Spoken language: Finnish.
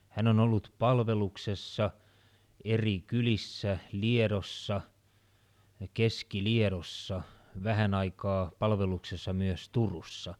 hän on ollut palveluksessa eri kylissä Liedossa Keski-Liedossa vähän aikaa palveluksessa myös Turussa